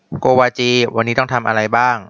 โกวาจีวันนี้ต้องทำอะไรบ้าง